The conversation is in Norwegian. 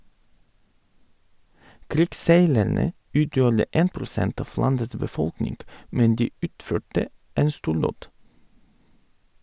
Krigsseilerne utgjorde 1 % av landets befolkning, men de utførte en stordåd.